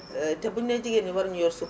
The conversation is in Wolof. te buñu nee jigéen ñi waruñu yor suuf